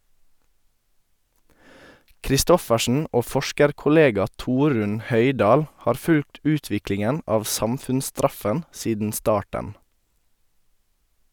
Kristoffersen og forskerkollega Torunn Højdahl har fulgt utviklingen av samfunnsstraffen siden starten.